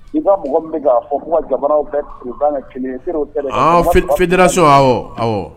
I mɔgɔ min fɔ kuma jaraww bɛɛ fitiriraso aw aw